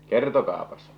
kertokaapas